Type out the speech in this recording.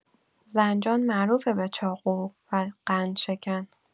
زنجان معروفه به چاقو و قندشکن.